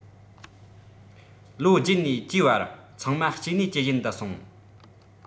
ལོ བརྒྱད ནས བཅུའི བར ཚང མ སྐྱེ ནུས ཇེ ཞན དུ སོང